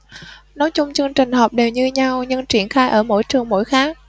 nói chung chương trình học đều như nhau nhưng triển khai ở mỗi trường mỗi khác